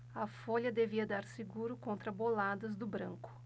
a folha devia dar seguro contra boladas do branco